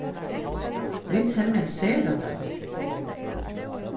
vit semjast sera væl